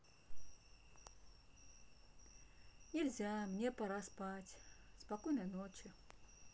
нельзя мне пора спать спокойной ночи